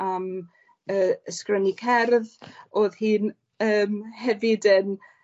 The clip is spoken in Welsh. am yy ysgrennu cerdd. Odd hi'n yym hefyd yn